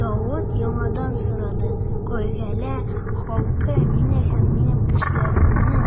Давыт яңадан сорады: Кыгыйлә халкы мине һәм минем кешеләремне